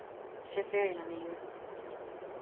set ferðina niður